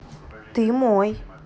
ты мой